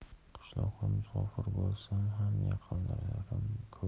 qishloqqa musofir bo'lsam ham yaqinlarim ko'p